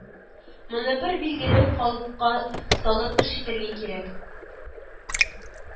Моны бер билгеле калыпка салып эш итәргә кирәк